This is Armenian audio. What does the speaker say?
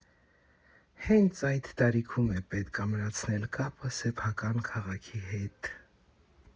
Հենց այդ տարիքում է պետք ամրապնդել կապը սեփական քաղաքի հետ։